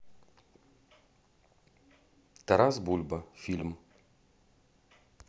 тарас бульба фильм